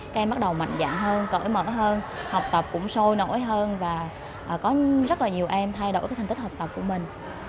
các em bắt đầu mạnh dạn hơn cởi mở hơn học tập cũng sôi nổi hơn và có rất là nhiều em thay đổi cái thành tích học tập của mình